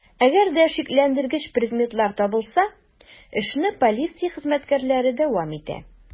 Әгәр дә шикләндергеч предметлар табылса, эшне полиция хезмәткәрләре дәвам итә.